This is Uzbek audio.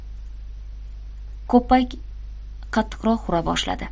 ko'ppak qattiqroq hura boshladi